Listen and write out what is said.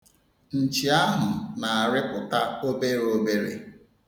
Nchi ahụ na-arịpụta obere obere.